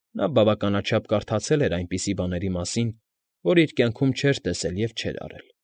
Նա բավականաչափ կարդացել էր այնպիսի բաների մասին, որ իր կյանքում չէր տեսել և չէր արել։